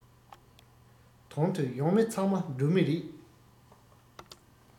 དོན དུ ཡོང མི ཚང མ འགྲོ མི རེད